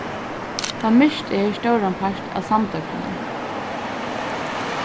tá myrkt er stóran part av samdøgrinum